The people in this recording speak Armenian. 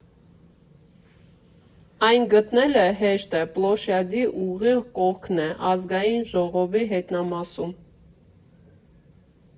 Այն գտնելը հեշտ է, «Պլոշյադի» ուղիղ կողքն է՝ Ազգային ժողովի հետնամասում։